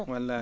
wallaahi